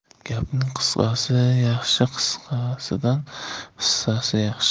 gapning qisqasi yaxshi qisqasidan hissasi yaxshi